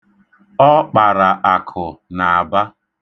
Ọ kpara akụ n'Aba.